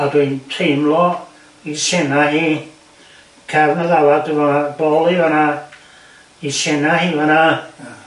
A dwi'n teimlo i sena hi cefn y ddafad yn fan 'na bol i fan 'na ei sena hi fan 'na... Ia.